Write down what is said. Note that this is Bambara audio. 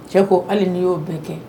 Cɛ ko hali n'i y'o bɛɛ kɛ.